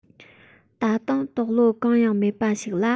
ད དུང དོགས བློ གང ཡང མེད པ ཞིག ལ